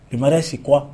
Imare si kuwa